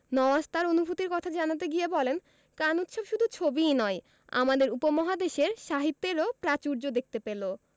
নওয়াজ তার অনুভূতির কথা জানাতে গিয়ে বলেন কান উৎসব শুধু ছবিই নয় আমাদের উপমহাদেশের সাহিত্যের প্রাচুর্যও দেখতে পেল